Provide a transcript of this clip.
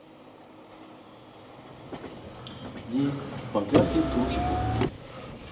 нет богатые тоже плачут